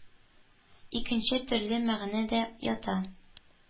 Икенче төрле мәгънә дә ята.